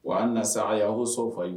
Wa a nasa a y'a ko so fa